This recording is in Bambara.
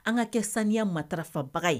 An ŋa kɛ saniya matarafabaga ye